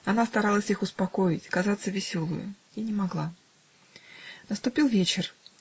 Она старалась их успокоить, казаться веселою, и не могла. Наступил вечер.